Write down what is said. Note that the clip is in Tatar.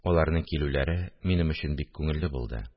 Аларның килүләре минем өчен бик күңелле булды.